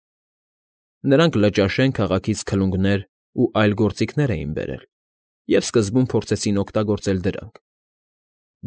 Նրանք Լճաշեն քաղաքից քլունգներ ու այլ գործիքներ էին բերել և սկզբում փորձեցին օգտագործել դրանք։